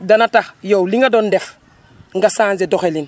dana tax yow li nga doon def nga changé doxalin